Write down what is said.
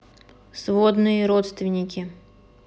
сводные родственники